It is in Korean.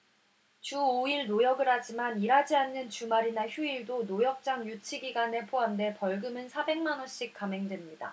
주 오 일 노역을 하지만 일하지 않는 주말이나 휴일도 노역장 유치 기간에 포함돼 벌금은 사백 만 원씩 감액됩니다